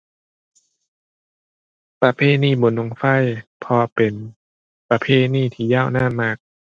ประเพณีบุญบั้งไฟ เพราะว่าเป็นประเพณีที่ยาวนานมาก